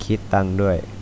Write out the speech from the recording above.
คิดตังค์ด้วย